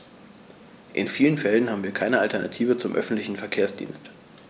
In vielen Fällen haben wir keine Alternative zum öffentlichen Verkehrsdienst.